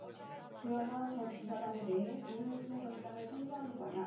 조현아 전 부사장에 대해 오늘 구속영장을 청구하는 거냐